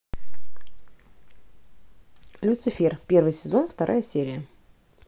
люцифер первый сезон вторая серия